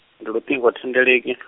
ndi luṱingo thendeleki .